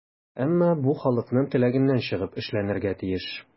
Әмма бу халыкның теләгеннән чыгып эшләнергә тиеш.